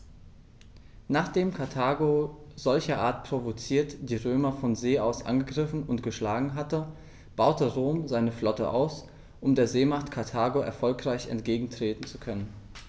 Nachdem Karthago, solcherart provoziert, die Römer von See aus angegriffen und geschlagen hatte, baute Rom seine Flotte aus, um der Seemacht Karthago erfolgreich entgegentreten zu können.